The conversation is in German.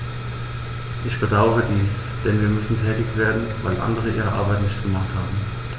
Ich bedauere dies, denn wir müssen tätig werden, weil andere ihre Arbeit nicht gemacht haben.